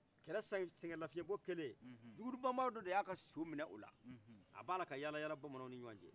kɛlɛsɛgɛnnafiyɛnbɔ kɛlen jugudu bamaadɔ de y' a ka sokɛ minɛ o la a b' a la ka yala bamananw ni ɲɔgɔn cɛ